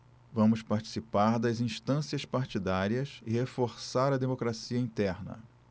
vamos participar das instâncias partidárias e reforçar a democracia interna